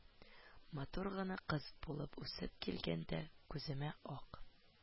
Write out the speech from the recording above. – матур гына кыз булып үсеп килгәндә, күземә ак